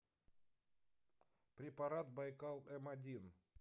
препарат байкал эм один